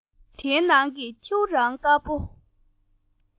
དེའི ནང གི ཐེའུ རང དཀར པོ